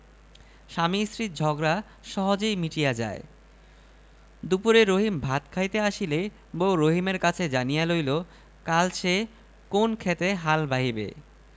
আমি কিছুই বলি না জান আমরা মেয়ে জাত আট কলা হেকমত আমাদের মনে মনে ফের যদি মার তবে আট কলা দেখাইয়া দিব